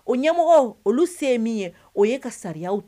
O ɲɛmɔgɔ olu se ye min ye o ye ka sariya kɛ